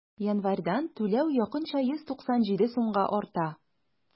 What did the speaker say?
Январьдан түләү якынча 197 сумга арта.